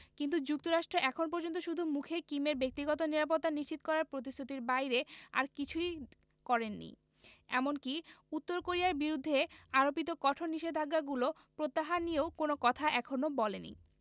কিন্তু যুক্তরাষ্ট্র এখন পর্যন্ত শুধু মুখে কিমের ব্যক্তিগত নিরাপত্তা নিশ্চিত করার প্রতিশ্রুতির বাইরে আর কিছুই করেনি এমনকি উত্তর কোরিয়ার বিরুদ্ধে আরোপিত কঠোর নিষেধাজ্ঞাগুলো প্রত্যাহার নিয়েও কোনো কথা এখনো বলেনি